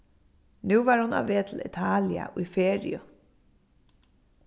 nú var hon á veg til italia í feriu